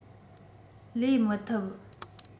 ལས མི ཐུབ